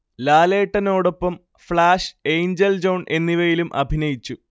ലാലേട്ടനോടൊപ്പം flash, Angel John എന്നിവയിലും അഭിനയിച്ചു